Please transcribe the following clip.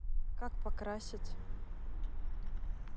как покрасить